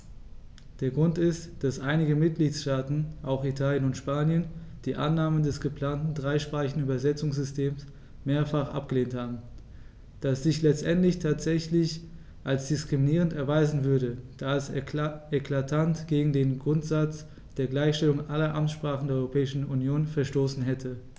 Der Grund ist, dass einige Mitgliedstaaten - auch Italien und Spanien - die Annahme des geplanten dreisprachigen Übersetzungssystems mehrfach abgelehnt haben, das sich letztendlich tatsächlich als diskriminierend erweisen würde, da es eklatant gegen den Grundsatz der Gleichstellung aller Amtssprachen der Europäischen Union verstoßen hätte.